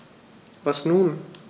Was nun?